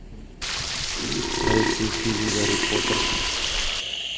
найти фильм гарри поттер